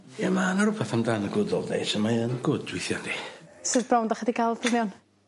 Ia ma' 'na rwbeth am y good old days a mae yn good weithia' 'di. Sud 'dach chi 'di ga'l do' mewn?